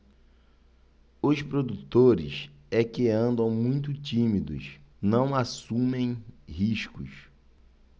os produtores é que andam muito tímidos não assumem riscos